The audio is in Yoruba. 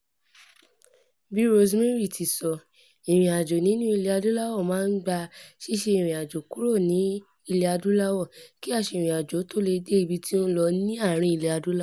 Bí Rosemary ti sọ, ìrìnàjò nínúu ilẹ̀-adúláwọ̀ máa ń gba ṣíṣèrìnàjò kúrò ní ilẹ̀-adúláwọ̀ kí aṣèrìnàjò ó tó le è dé ibi tí ó ń lọ ní àárín Ilẹ̀-adúláwọ̀.